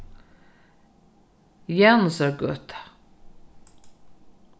janusargøta